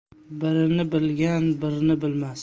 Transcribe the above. birni bilgan birni bilmas